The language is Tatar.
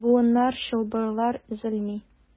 Буыннар, чылбырлар өзелми.